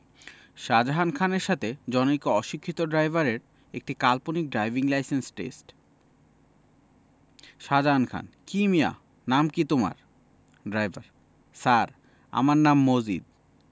শাজাহান খানের সাথে জনৈক অশিক্ষিত ড্রাইভারের একটি কাল্পনিক driving licence test Shajahan Khan কি মিয়া নাম কি তোমার ড্রাইভার ছার আমার নাম মজিদ